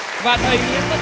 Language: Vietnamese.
và